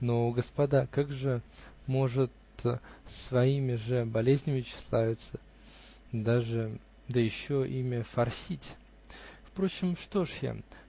Но, господа, кто же может своими же болезнями тщеславиться, да еще ими форсить? Впрочем, что ж я?